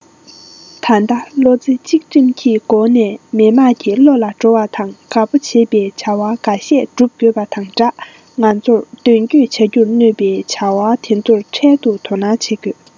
ད ལྟ བློ ཙེ གཅིག སྒྲིམ གྱི སྒོ ནས མི དམངས ཀྱི བློ ལ འགྲོ བ དང དགའ པོ བྱེད པའི བྱ བ འགའ ཤས བསྒྲུབ དགོས དགོས བ དང སྤྲགས ང ཚོ མདུན བསྐྱོད བྱ རྒྱུར གནོད བའི བྱ བ དེ ཚོར འཕྲལ དུ དོ སྣང བྱེད དགོས